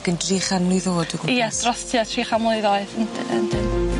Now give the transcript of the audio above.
Ac yn dri chan mlwydd o'd o gwmpas. Ia dros tua tri cha mlwydd oed. Yndyn.